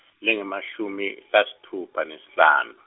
lengemashumi, lasitfupha nesihlanu.